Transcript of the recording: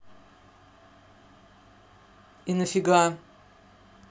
и нафига